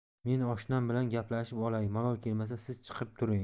men oshnam bilan gaplashib olay malol kelmasa siz chiqib turing